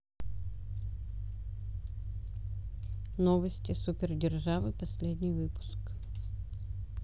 новости супердержавы последний выпуск